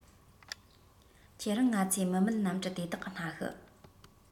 ཁྱེད རང ང ཚོའི མི མེད གནམ གྲུ དེ དག གིས སྣ ཤུ